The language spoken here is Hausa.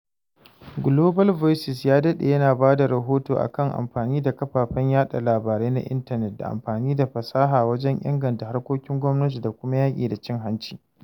Global Voices ya daɗe yana ba da rahoto a kan amfanin kafafen yaɗa labarai na intanet da amfani da fasaha wajen inganta harkokin gwamnati da kuma yaƙi da cin-hanci.